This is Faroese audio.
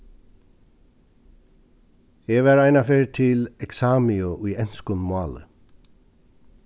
eg var einaferð til eksamiu í enskum máli